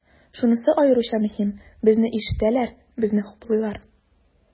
Шунысы аеруча мөһим, безне ишетәләр, безне хуплыйлар.